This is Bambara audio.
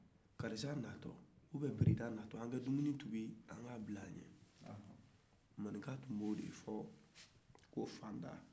karisa natɔ oubien dunan natɔ an be tuminin tɔbi k'a bila a ɲɛ maninka tu b'o de wele ko fanda